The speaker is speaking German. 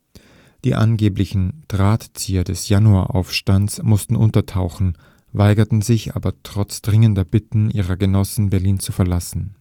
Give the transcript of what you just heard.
Die angeblichen Drahtzieher des Januaraufstands mussten untertauchen, weigerten sich aber trotz dringender Bitten ihrer Genossen, Berlin zu verlassen